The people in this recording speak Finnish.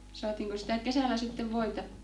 saatiinko sitä kesällä sitten voita